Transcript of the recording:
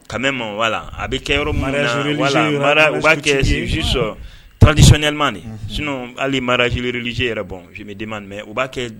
Ka ma wala a bɛ kɛ u b'a kɛdisɔnlilima s hali marajliji yɛrɛ bɔn u b'a kɛ